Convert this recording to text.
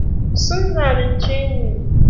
Sun zalunce ni!